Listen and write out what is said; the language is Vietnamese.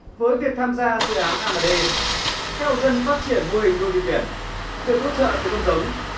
với việc tham gia dự án a mờ đê các hộ dân phát triển mô hình nuôi vịt biển được hỗ trợ từ con giống